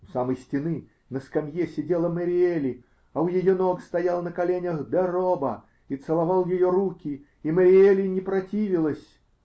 У самой стены на скамье сидела Мэриели, а у ее ног стоял на коленях де Роба и целовал ее руки, и Мэриели не противилась.